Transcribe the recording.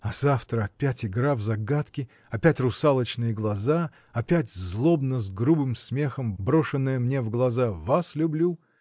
— А завтра опять игра в загадки, опять русалочные глаза, опять злобно, с грубым смехом, брошенное мне в глаза: “Вас люблю”!